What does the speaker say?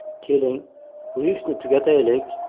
keling bu ishni tugataylik